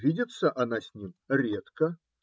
Видится она с ним редко